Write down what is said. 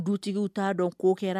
Duw t'a dɔn ko kɛra